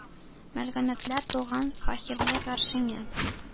Мәлганәтләр тулган фахирле гаршеңә!